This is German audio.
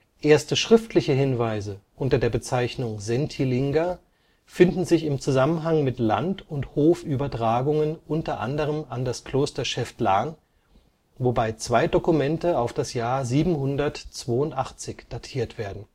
Erste schriftliche Hinweise unter der Bezeichnung Sentilinga finden sich im Zusammenhang mit Land - und Hofübertragungen u. a. an das Kloster Schäftlarn, wobei zwei Dokumente auf das Jahr 782 datiert werden